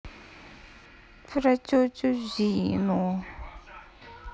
про тетю зину